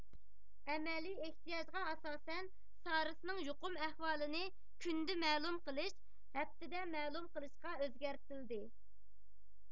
ئەمەلىي ئېھتىياجغا ئاساسەن سارسنىڭ يۇقۇم ئەھۋالىنى كۈندە مەلۇم قىلىش ھەپتىدە مەلۇم قىلىشقا ئۆزگەرتىلدى